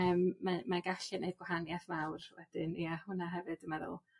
yym mae mae gallu neud gwahanieth mawr wedyn ie hwnna hefyd dwi meddwl.